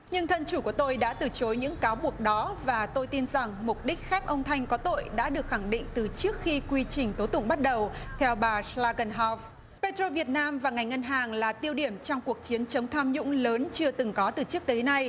nhưng thân chủ của tôi đã từ chối những cáo buộc đó và tôi tin rằng mục đích khác ông thanh có tội đã được khẳng định từ trước khi quy trình tố tụng bắt đầu theo bà trô la gừn hao pê trô việt nam và ngành ngân hàng là tiêu điểm trong cuộc chiến chống tham nhũng lớn chưa từng có từ trước tới nay